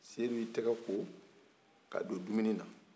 sedu y'e tɛgɛ ko ka don dumunin na